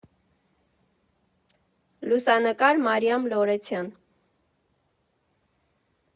Լուսանկար՝ Մարիամ Լորեցյան։